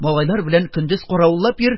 Малайлар белән көндез каравыллап йөр,